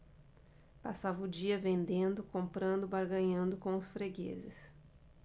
passava o dia vendendo comprando barganhando com os fregueses